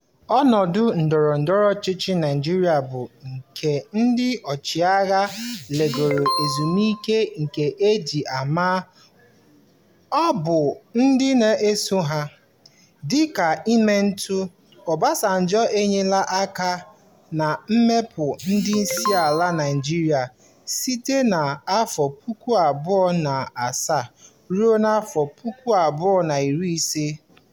Ọnọdụ ndọrọ ndọrọ ọchịchị Naijiria bụ nke ndị ọchịagha lagoro ezumike nka ji ya ma ọ bụ ndị na-eso ha. Dịka ịmaatụ, Obasanjo enyeela aka na mpụta ndị isiala Naịjirịa site na 2007 ruo 2015.